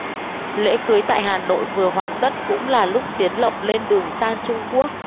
lễ cưới tại hà nội vừa hoàn tất cũng là lúc tiến lộc lên đường sang trung quốc